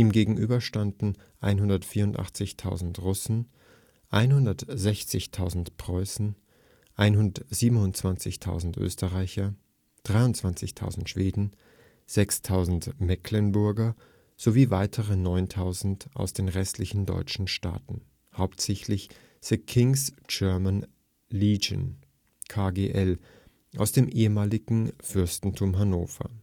gegenüber standen 184.000 Russen, 160.000 Preußen, 127.000 Österreicher, 23.000 Schweden, 6.000 Mecklenburger sowie weitere 9.000 aus den restlichen deutschen Staaten, hauptsächlich die King’ s German Legion (KGL) aus dem ehemaligen Kurfürstentum Hannover